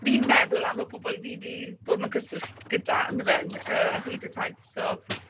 Fi'n meddwl am y pobol fi 'di bod mewn cyswllt gyda on' yfe n- yy ar hyd y taith so